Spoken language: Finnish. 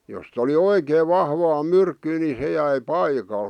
jos oli oikein vahvaa myrkkyä niin se jäi paikalle